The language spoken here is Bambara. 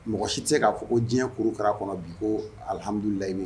Mɔgɔ si tɛ k'a fɔ ko diɲɛ kurukara kɔnɔ bi ko alihamdulilayi